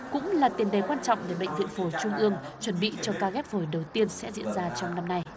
cũng là tiền đề quan trọng để bệnh viện phổi trung ương chuẩn bị cho ca ghép phổi đầu tiên sẽ diễn ra trong năm nay